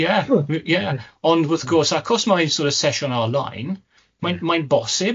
Ie ie ond wrth gwrs achos mae'n sort of sesiwn ar-line mae'n mae'n bosib,